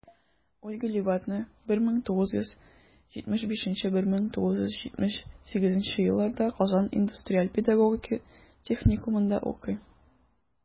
Ольга Левадная 1975-1978 елларда Казан индустриаль-педагогика техникумында укый.